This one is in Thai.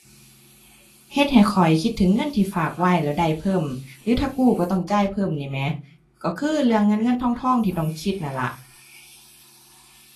เฮ็ดให้ข้อยคิดถึงเงินที่ฝากไว้แล้วได้เพิ่ม หรือถ้ากู้ก็ต้องจ่ายเพิ่มนี่แหม ก็คือเรื่องเงินเงินทองทองที่ต้องคิดนั่นล่ะ